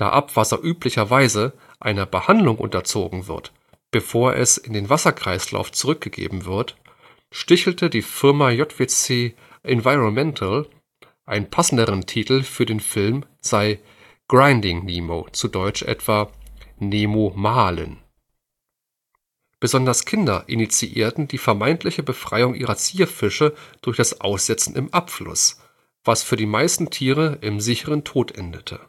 Abwasser üblicherweise einer Behandlung unterzogen wird, bevor es in den Wasserkreislauf zurückgegeben wird, stichelte die Firma JWC Environmental, ein passenderer Titel für den Film sei Grinding Nemo, zu deutsch etwa Nemo mahlen. Besonders Kinder initiierten die vermeintliche Befreiung ihrer Zierfische durch das Aussetzen im Abfluss, was für die meisten Tiere im sicheren Tod endete